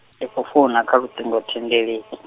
ndi khou founa kha luṱingo thendeleki.